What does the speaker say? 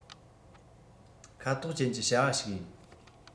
ཁ དོག ཅན གྱི བྱ བ ཞིག ཡིན